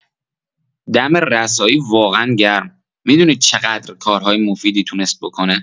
دم رسایی واقعا گرم، می‌دونید چقدر کارهای مفیدی تونست بکنه